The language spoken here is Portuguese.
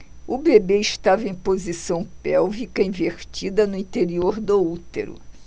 o bebê estava em posição pélvica invertida no interior do útero